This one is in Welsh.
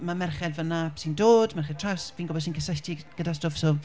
mae merched fan'na sy'n dod, merched traws, fi'n gwybod sy'n cysylltu g- gyda stwff so...